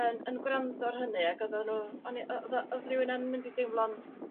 yn yn gwrando ar hynny ag oddan nhw... O' ni o ddy- odd rywun yn mynd i deimlo'n